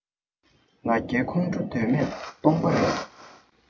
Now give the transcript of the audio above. ང རྒྱལ ཁོང ཁྲོ དོན མེད སྟོང པ རེད